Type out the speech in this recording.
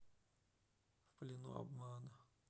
в плену обмана